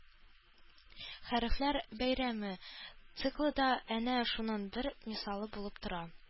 «хәрефләр бәйрәме» циклы да әнә шуның бер мисалы булып тора